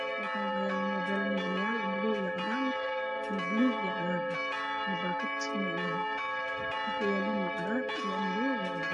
Halkaan waxaa yaalo muubeel niiclayaal oo madow iyo cadaan ah, buluug iyo cagaar, baakadiisa niiclaha, dhulka uu yaalo waa cagaar iyo madow.